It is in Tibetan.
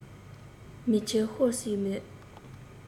མིག ཆུ ཤོར སྲིད མོད